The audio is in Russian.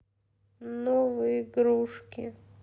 новые игрушки